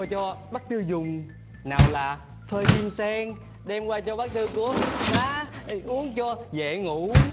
cho bác tư dùng nào là phơi tim sen đem qua cho bác tư của má ừ uống cho dễ ngủ